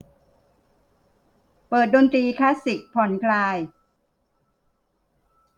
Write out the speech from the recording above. เปิดดนตรีคลาสสิคผ่อนคลาย